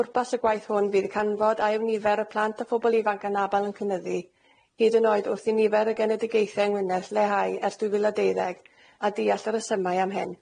Pwrpas y gwaith hwn fydd canfod a yw nifer y plant a pobl ifanc anabal yn cynyddu, hyd yn oed wrth i nifer y genedigaethau yng Ngwynedd lleihau ers dwy fil a deuddeg, a diall y resymau am hyn.